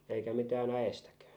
eikä mitään äestäkään